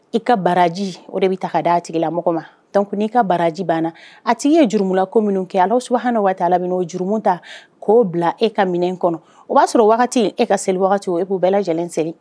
I ka baraji o de bɛ taa ka da tigi la mɔgɔ ma'i ka baraji banna a tigi' i ye jurula ko minnu kɛ ala s ha waatiala oo juru ta k'o bila e ka minɛ kɔnɔ o b'a sɔrɔ e ka seli e k'u bɛɛ lajɛlen seli